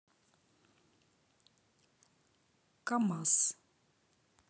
kamazz